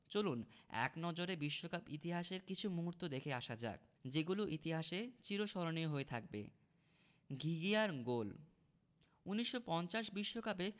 চলুন এক নজরে বিশ্বকাপ ইতিহাসের কিছু মুহূর্ত দেখে আসা যাক যেগুলো ইতিহাসে চিরস্মরণীয় হয়ে থাকবে ঘিঘিয়ার গোল ১৯৫০ বিশ্বকাপে